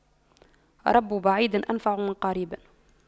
رب بعيد أنفع من قريب